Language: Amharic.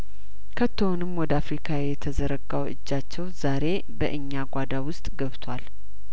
ከቶውንም ወደ አፍሪካ የተዘረጋው እጃቸው ዛሬ በእኛ ጓዳ ውስጥ ገብቷል